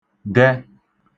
-dẹ